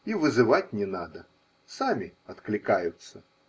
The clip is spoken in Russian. И вызывать не надо – сами откликаются!